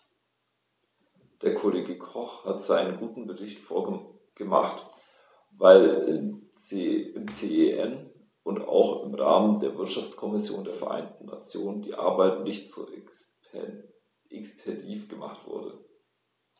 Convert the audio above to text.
Der Kollege Koch hat seinen guten Bericht gemacht, weil im CEN und auch im Rahmen der Wirtschaftskommission der Vereinten Nationen die Arbeit nicht so expeditiv gemacht wurde.